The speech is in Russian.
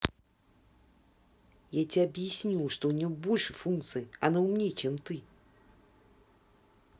я тебе объясняю что у нее больше функций она умнее чем ты